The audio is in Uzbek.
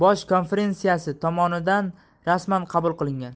bosh konferentsiyasi tomonidan rasman qabul qilingan